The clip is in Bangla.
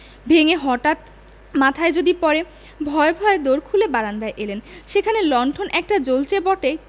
ভেঙ্গে হঠাৎ মাথায় যদি পড়ে ভয়ে ভয়ে দোর খুলে বারান্দায় এলেন সেখানে লণ্ঠন একটা জ্বলচে বটে